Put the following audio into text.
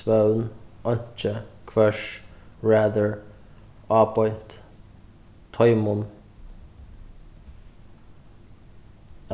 svøvn einki hvørs rather ábeint toymum